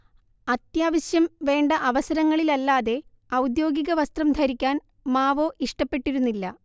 അത്യാവശ്യം വേണ്ട അവസരങ്ങളില്ലല്ലാതെ ഔദ്യോഗിക വസ്ത്രം ധരിക്കാൻ മാവോ ഇഷ്ടപ്പെട്ടിരുന്നില്ല